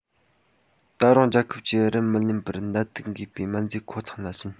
ད དུང རྒྱལ ཁབ ཀྱིས རིན མི ལེན པར ནད དུག འགོག པའི སྨན རྫས ཁོ ཚང ལ བྱིན